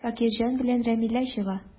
Шакирҗан белән Рамилә чыга.